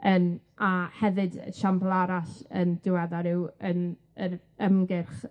Yym a hefyd yy siampl arall yn diweddar yw yn yr ymgyrch